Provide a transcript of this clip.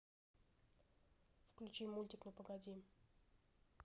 включи мультик ну погоди